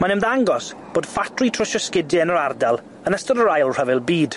Mae'n ymddangos bod ffatri trwsio sgidie yn yr ardal yn ystod yr Ail Rhyfel Byd.